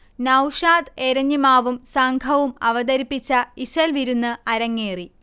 നൗഷാദ് എരഞ്ഞിമാവും സംഘവും അവതരിപ്പിച്ച ഇശൽവിരുന്ന് അരങ്ങേറി